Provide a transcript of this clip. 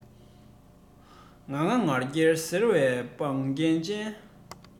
ང ང ང རྒྱལ ཟེར བའི བང རྒྱལ ཅན